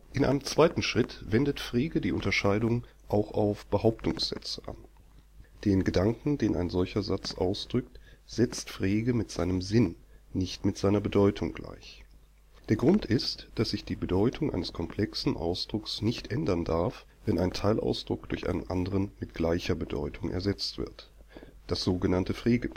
In einem zweiten Schritt wendet Frege die Unterscheidung auch auf „ Behauptungssätze “an. Den „ Gedanken “, den ein solcher Satz ausdrückt, setzt Frege mit seinem Sinn, nicht mit seiner Bedeutung gleich. Der Grund ist, dass sich die Bedeutung eines komplexen Ausdrucks nicht ändern darf, wenn ein Teilausdruck durch einen anderen mit gleicher Bedeutung ersetzt wird (das sogenannte Frege-Prinzip